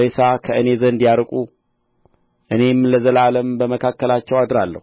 ሬሳ ከእኔ ዘንድ ያርቁ እኔም ለዘላለም በመካከላቸው አድራለሁ